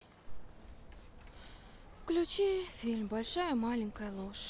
включи фильм большая маленькая ложь